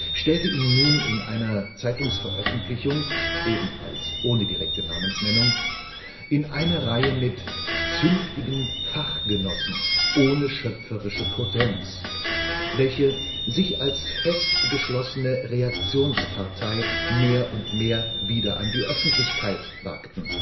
stellte ihn nun in einer Zeitungsveröffentlichung – ebenfalls ohne direkte Namensnennung - in eine Reihe mit „ zünftige [n] Fachgenossen, […], ohne schöpferische Potenz “, welche „ sich als festgeschlossene, Reaktionspartei ‘mehr und mehr wieder an die Öffentlichkeit “wagten